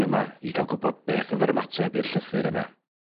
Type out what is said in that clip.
...yma i ga'l gwbod beth o'dd yr ymateb i'r llythyr yna.